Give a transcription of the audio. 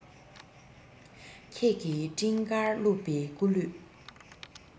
ཁྱེད ཀྱི སྤྲིན དཀར བཀླུབས པའི སྐུ ལུས